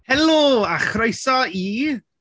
Helo a chroeso i...